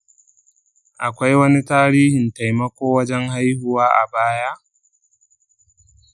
akwai wani tarihin taimako wajen haihuwa a baya?